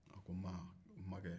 a ko n makɛ